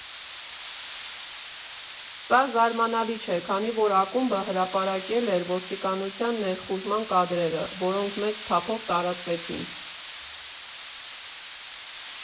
Սա զարմանալի չէ, քանի որ ակումբը հրապարակել էր ոստիկանության ներխուժման կադրերը, որոնք մեծ թափով տարածվեցին։